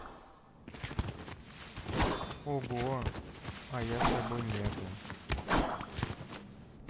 ого а я с тобой нету